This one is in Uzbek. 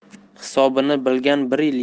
hisobini bilgan bir yil